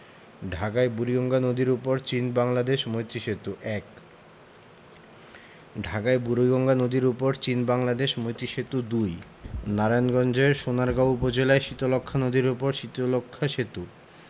ঢাকায় বুড়িগঙ্গা নদীর উপর চীন বাংলাদেশ মৈত্রী সেতু ১ ঢাকায় বুড়িগঙ্গা নদীর উপর চীন বাংলাদেশ মৈত্রী সেতু ২ নারায়ণগঞ্জের সোনারগাঁও উপজেলায় শীতলক্ষ্যা নদীর উপর শীতলক্ষ্যা সেতু